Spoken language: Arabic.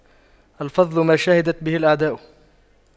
الفضل ما شهدت به الأعداء